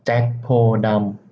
แจ็คโพธิ์ดำ